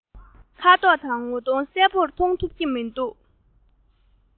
ཁ དོག དང ངོ གདོང གསལ པོར མཐོང ཐུབ ཀྱི མི འདུག